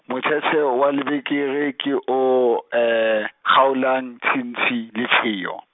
motshetshe wa lebekere ke o, kgaolang tshintshi lepheyo.